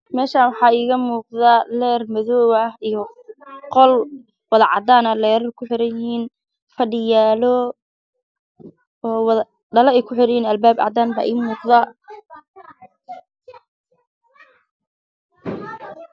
Meeshaan waxaa yaalo kursi ku dhex jiro qol vip ah oo fiican la yar qurxanno ka daaran yihiin